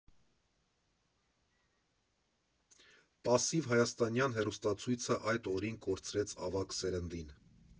Պասիվ հայաստանյան հեռուստացույցը այդ օրերին կորցրեց ավագ սերնդին.